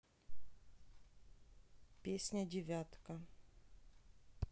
песня девятка